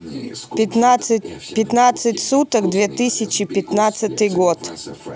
пятнадцать суток две тысячи пятнадцатый год